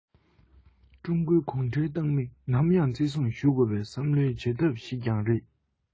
ཀྲུང གོའི གུང ཁྲན ཏང མིས ནམ ཡང བརྩི སྲུང ཞུ དགོས པའི བསམ བློའི བྱེད ཐབས ཤིག ཀྱང རེད